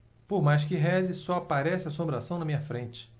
por mais que reze só aparece assombração na minha frente